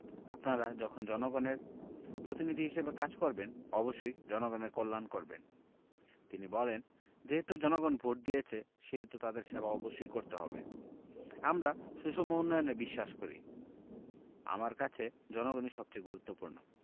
আপনারা যখন জনগণের প্রতিনিধি হিসেবে কাজ করবেন অবশ্যই জনগণের কল্যাণ করবেন তিনি বলেন যেহেতু জনগণ ভোট দিয়েছে সেহেতু তাদের সেবা অবশ্যই করতে হবে আমরা সুষম উন্নয়নে বিশ্বাস করি আমার কাছে জনগণই সবচেয়ে গুরুত্বপূর্ণ